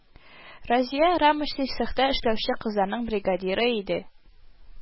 Разия рамочный цехта эшләүче кызларның бригадиры иде